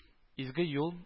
Изге юл